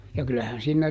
ja kyllähän siinä